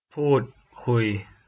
พูดคุย